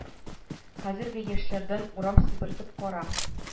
Хәзерге яшьләрдән урам себертеп кара